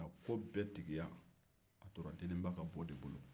ko bɛɛ tigiya o tora denba ka bɔ bolo